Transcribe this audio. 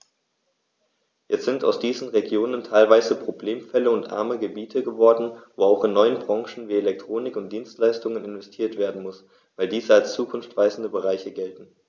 Jetzt sind aus diesen Regionen teilweise Problemfälle und arme Gebiete geworden, wo auch in neue Branchen wie Elektronik und Dienstleistungen investiert werden muss, weil diese als zukunftsweisende Bereiche gelten.